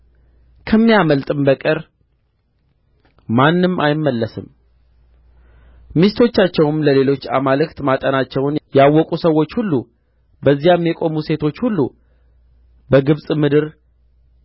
ከሚያመልጥም በቀር ማንም አይመለስም ሚስቶቻቸውም ለሌሎች አማልክት ማጠናቸውን ያወቁ ሰዎች ሁሉ በዚያም የቆሙ ሴቶች ሁሉ በግብጽ ምድር